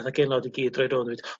nath y genod i gyd droi rownd a deud